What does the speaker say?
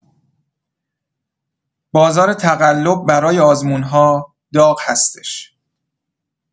بازار تقلب برای آزمون‌‌ها داغ هستش!